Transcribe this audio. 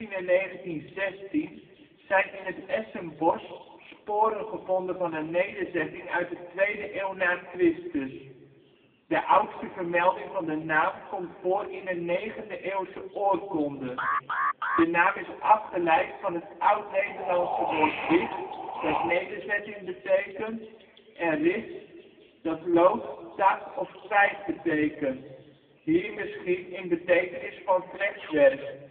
1916 zijn in het Essenbosch sporen gevonden van een nederzetting uit de 2e eeuw na Christus. De oudste vermelding van de naam komt voor in een 9e eeuwse oorkonde. De naam is afgeleid van het oud Nederlandse woord ' wich ' dat nederzetting betekent en ' ris ' dat loot, tak of twijg betekent. Hier misschien in betekenis van vlechtwerk